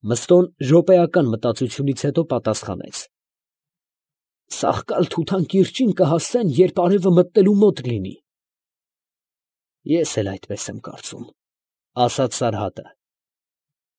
Մըստոն րոպեական մտածությունից հետո, պատասխանեց. ֊ Սախկալ֊Թութան կիրճին կհասնեն, երբ արևը մտնելու մոտ կլինի։ ֊ Ես էլ այսպես եմ կարծում, ֊ ասաց Սարհատը։ ֊